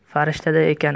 farishtaday ekan